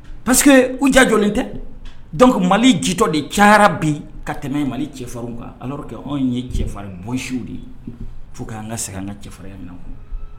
Parque u ja jɔlen tɛ . Donc mali jitɔ de cayara bi ka tɛmɛ mali cɛfarinw kan . Alorque anw ye cɛfarin bɔnsiw de ye. Faut que an ka segin an ka cɛfarinya minɛ kɔnɔ.